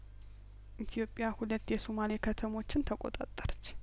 ኢትዮጵያ ሁለት የሱማሌ ከተሞችን ተቆጣጠረች